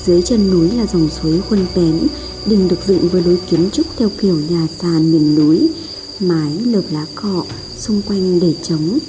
dưới chân núi là dòng suối khuân vén đình được dựng với nối kiến trúc theo kiểu nhà sàn miền núi mái lợp lá cọ xung quanh để trống